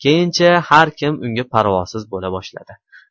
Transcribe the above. keyincha har kim unga parvosiz bo'la boshladi